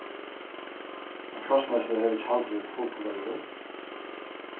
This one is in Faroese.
á krossmessu hevur tjaldrið fult reiður